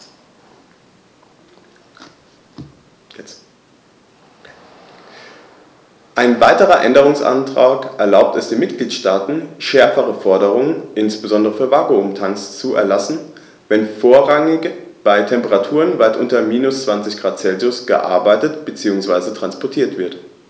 Ein weiterer Änderungsantrag erlaubt es den Mitgliedstaaten, schärfere Forderungen, insbesondere für Vakuumtanks, zu erlassen, wenn vorrangig bei Temperaturen weit unter minus 20º C gearbeitet bzw. transportiert wird.